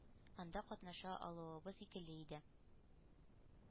Анда катнаша алуыбыз икеле иде,